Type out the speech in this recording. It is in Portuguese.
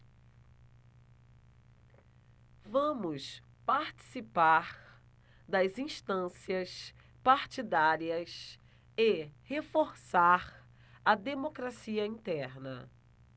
vamos participar das instâncias partidárias e reforçar a democracia interna